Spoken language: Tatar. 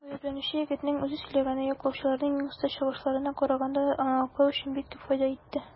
Гаепләнүче егетнең үзе сөйләгәне яклаучыларның иң оста чыгышларына караганда да аны аклау өчен бик күп файда итте.